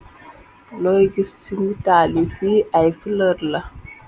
Looy gis ci nitaalu fi ay fulor la.